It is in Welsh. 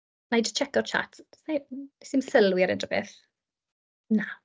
Wna i jyst tseco'r chat. Does neb yn... wnes i ddim sylwi ar unrhyw beth. Na.